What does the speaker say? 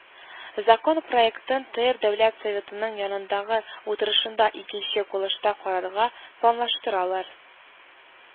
Закон проектын ТР Дәүләт Советының якындагы утырышында икенче укылышта карарга планлаштыралар